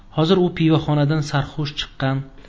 hozir u pivoxonadan sarxush chiqqan